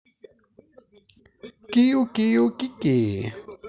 кио кио кики